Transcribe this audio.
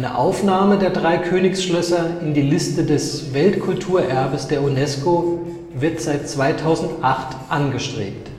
Aufnahme der drei Königschlösser in die Liste des Weltkulturerbes der UNESCO wird seit 2008 angestrebt